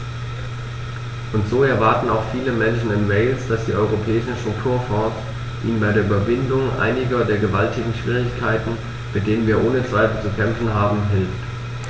Und so erwarten auch viele Menschen in Wales, dass die Europäischen Strukturfonds ihnen bei der Überwindung einiger der gewaltigen Schwierigkeiten, mit denen wir ohne Zweifel zu kämpfen haben, hilft.